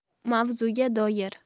mavzuga doir